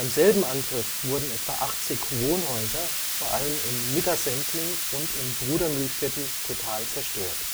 selben Angriff wurden etwa 80 Wohnhäuser vor allem in Mittersendling und im Brudermühlviertel total zerstört